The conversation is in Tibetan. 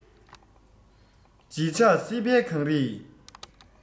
བརྗིད ཆགས སྲིད པའི གངས རི